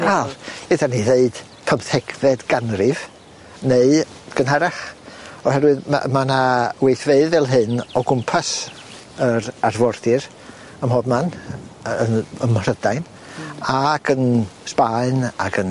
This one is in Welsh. Wel idda ni ddeud pymthegfed ganrif neu gynharach oherwydd ma' ma' 'na gweithfeydd fel hyn o gwmpas yr arfordir ym mhob man yy yn ym Mhrydain ac yn Sbaen ac yn